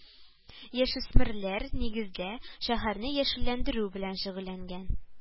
Яшүсмерләр, нигездә, шәһәрне яшелләндерү белән шөгыльләнгән